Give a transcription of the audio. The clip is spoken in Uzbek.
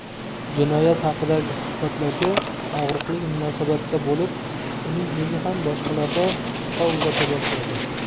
jinoyat haqidagi suhbatlarga og'riqli munosabatda bo'lib uning o'zi ham boshqalarda shubha uyg'ota boshlaydi